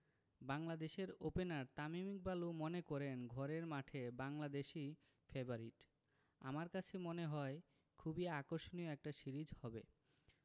বাংলাদেশের ওপেনার তামিম ইকবালও মনে করেন ঘরের মাঠে বাংলাদেশই ফেবারিট আমার কাছে মনে হয় খুবই আকর্ষণীয় একটা সিরিজ হবে